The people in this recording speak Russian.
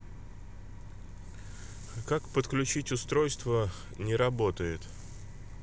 как подключить устройство не работает